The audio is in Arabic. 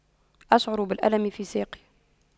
أشعر بالألم في ساقي